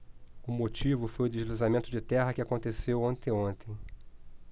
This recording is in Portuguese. o motivo foi o deslizamento de terra que aconteceu anteontem